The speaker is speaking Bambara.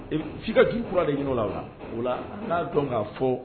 ' ka dugu kura de ɲinin la la o n'a dɔn k'a fɔ